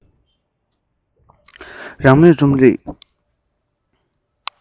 རང མོས རྩོམ རིག